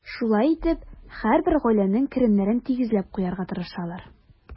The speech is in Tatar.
Шулай итеп, һәрбер гаиләнең керемнәрен тигезләп куярга тырышалар.